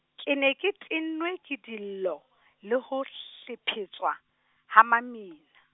ke ne ke tennwe ke dillo , le ho hlephetswa, ha mamina.